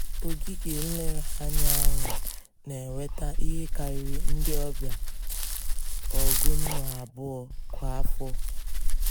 Ogige nlereanya ahụ na-enweta ihe karịrị ndị ọbịa 16,000 kwa afọ.